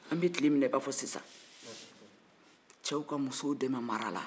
cɛw ka musow dɛmɛ mara la an bɛ tile min n akomi sisan